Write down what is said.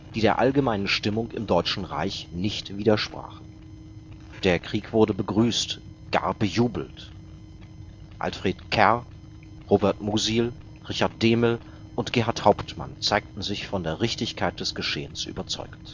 der allgemeinen Stimmung im Deutschen Reich nicht widersprachen. Der Krieg wurde begrüßt, gar bejubelt. Alfred Kerr, Robert Musil, Richard Dehmel und Gerhart Hauptmann zeigten sich von der Richtigkeit des Geschehens überzeugt